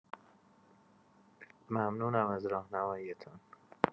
ممنونم از راهنمایی‌تان.